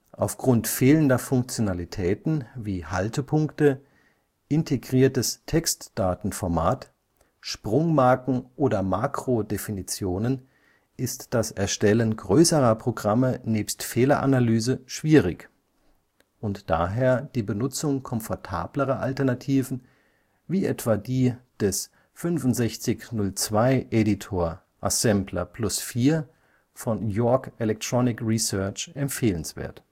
Aufgrund fehlender Funktionalitäten wie Haltepunkte, integriertes Textdatenformat, Sprungmarken oder Makro-Definitionen ist das Erstellen größerer Programme nebst Fehleranalyse schwierig und daher die Benutzung komfortablerer Alternativen wie etwa die des 6502 Editor/Assembler Plus/4 von York Electronic Research empfehlenswert